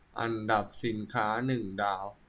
อันดับสินค้าหนึ่งดาว